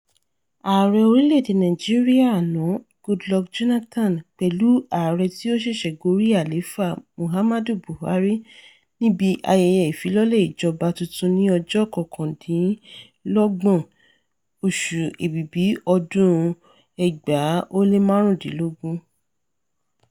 Ààrẹ orílẹ̀-èdè Nàìjíríà àná Goodluck Jonathan with pẹ̀lú Ààrẹ tí ó ṣẹ̀ṣẹ̀ gorí àlééfà Muhammadu Buhari níbi ayẹyẹ ìfilọ́lẹ̀ ìjọba tuntun ní ọjọ́ 29, oṣù Èbìbì, ọdún 2015.